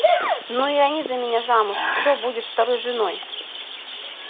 ну и они за меня замуж все будешь второй женой